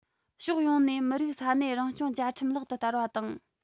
ཕྱོགས ཡོངས ནས མི རིགས ས གནས རང སྐྱོང བཅའ ཁྲིམས ལག ཏུ བསྟར བ དང